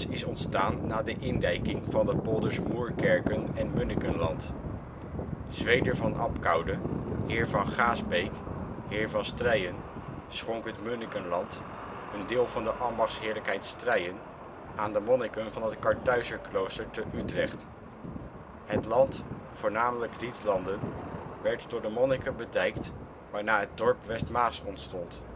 is ontstaan na de indijking van de polders Moerkerken en Munnikenland. Zweder van Abcoude, heer van Gaesbeek, heer van Strijen, schonk het Munnikenland, een deel van de ambachtsheerlijkheid Strijen, aan de monniken van het Kartuizerklooster te Utrecht. Het land, voornamelijk rietlanden, werd door de monniken bedijkt waarna het dorp Westmaas ontstond